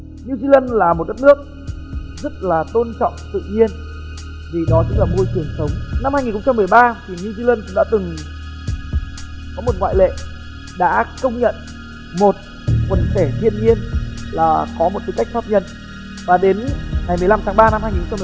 niu di lân là một đất nước rất là tôn trọng tự nhiên vì đó chính là môi trường sống năm hai nghìn không trăm mười ba thì niu di lân đã từng có một ngoại lệ đã công nhận một quần thể thiên nhiên là có một tư cách pháp nhân và đến ngày mười lăm tháng ba năm hai nghìn không